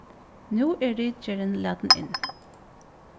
nú er ritgerðin latin inn